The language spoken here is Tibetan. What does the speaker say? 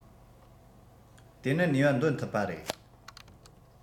དེ ནི ནུས པ འདོན ཐུབ པ རེད